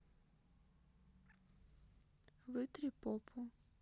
вытри попу